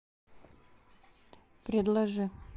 предложи